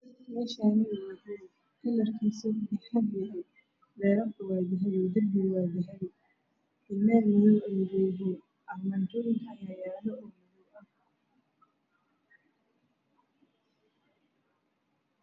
Meeshaani waa guri kalarkiisu dahabi yahay leerarka waa dahabi derbiga waa dahabi iler madoow ayuu leyahay armajooyin waxaa yalo madow ah